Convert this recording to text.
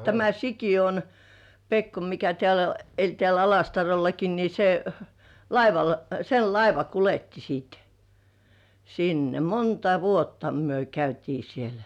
tämä Sikiön Pekko mikä täällä eli täällä Alastarollakin niin se laivalla sen laiva kuljetti sitten sinne monta vuotta me käytiin siellä